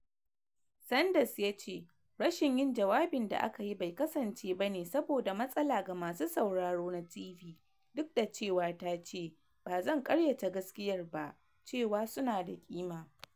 Sanders ya ce, rashin yin jawabin da aka yi bai kasance ba ne saboda matsala ga masu sauraro na TV, "duk da cewa ta ce: "Ba zan karyata gaskiyar ba cewa su na da kima."